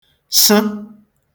sụ